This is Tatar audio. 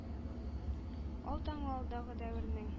Ал таңы алдагы дәвернең